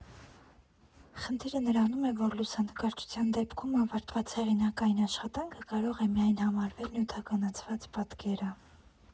Խնդիրը նրանում է, որ լուսանկարչության դեպքում, ավարտված հեղինակային աշխատանք կարող է միայն համարվել նյութականացված պատկերը։